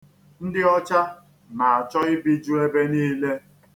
Ndị ọcha na-achọ ibiju ebe niile.